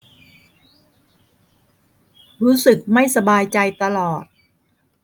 รู้สึกไม่สบายใจตลอด